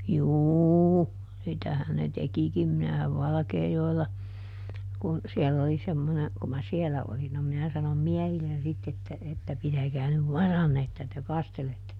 juu sitähän ne tekikin minähän Valkeajoella kun siellä oli semmoinen kun minä siellä olin no minä sanoin miehille sitten että että pitäkää nyt varanne että te kastelette